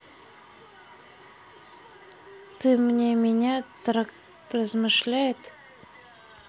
ты мне меня так размышляет